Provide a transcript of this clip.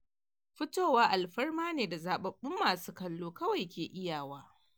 Fitowa alfarma ne da zababbun masu kalo kawai ke iya wa.